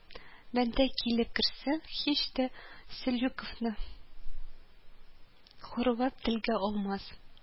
Бәндә килеп керсен, һич тә салюковны хурлап телгә алмас